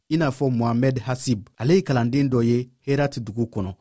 i n'a fɔ mohamed haseeb ale ye kalanden dɔ ye herat dugu kɔnɔ